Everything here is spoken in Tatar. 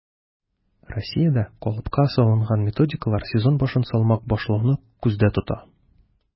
Россиядә калыпка салынган методикалар сезон башын салмак башлауны күздә тота: